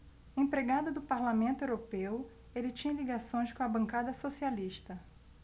empregado do parlamento europeu ele tinha ligações com a bancada socialista